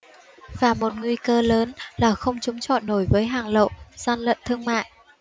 và một nguy cơ lớn là không chống chọi nổi với hàng lậu gian lận thương mại